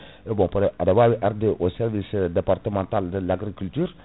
e bon peut être aɗa wawi ardude au service départemental de l' agriculture